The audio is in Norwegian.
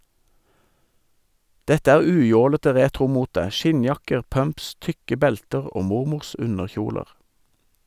Dette er ujålete retromote, skinnjakker, pumps, tykke belter og mormors underkjoler.